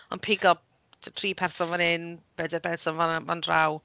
Ond pigo t- tri person fan hyn bedair person fan 'na... fan draw.